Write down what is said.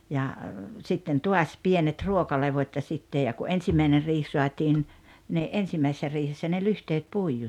ja sitten taas pienet ruokalevot ja sitten ja kun ensimmäinen riihi saatiin niin ensimmäisessä riihessä ne lyhteet puiduksi